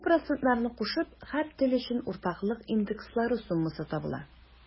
Бу процентларны кушып, һәр тел өчен уртаклык индекслары суммасы табыла.